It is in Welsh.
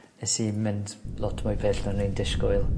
nes i mynd lot mwy pell na o'n i'n dishgwyl.